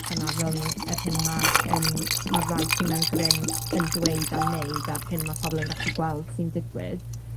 yna rhwng yr hyn ma' yn ma' rai sy mewn grym yn dweud a'n wneud a'r hyn ma' pobol yn gallu gweld sy'n digwydd.